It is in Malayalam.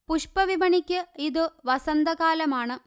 പുഷ്പവിപണിക്ക് ഇതു വസന്തകാലമാണ്